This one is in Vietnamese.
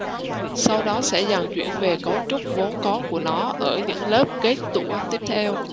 sau đó sẽ dần chuyển về cấu trúc vốn có của nó ở những lớp kết tủa tiếp theo